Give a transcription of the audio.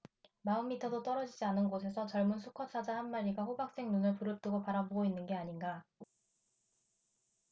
마흔 미터도 떨어지지 않은 곳에서 젊은 수컷 사자 한 마리가 호박색 눈을 부릅뜨고 바라보고 있는 게 아닌가